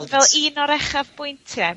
...fel un o'r uchafbwyntie...